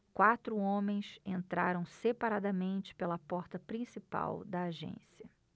quatro homens entraram separadamente pela porta principal da agência